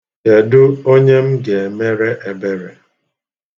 Kedụ onye m ga-emere ebere?